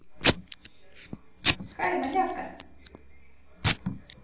хай малявка